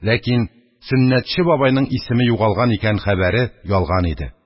Ләкин сөннәтче бабайның исеме югалган икән хәбәре ялган иде.